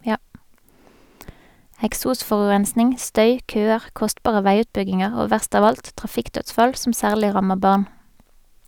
Eksosforurensing, støy, køer, kostbare veiutbygginger og verst av alt - trafikkdødsfall, som særlig rammer barn.